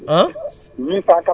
884